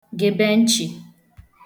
gèbe nchị̀